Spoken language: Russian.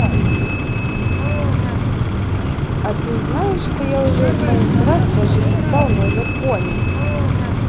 а ты знаешь что я уже в minecraft даже летал на законе